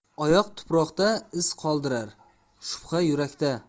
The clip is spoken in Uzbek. oyoq tuproqda iz qoldirar shubha yurakda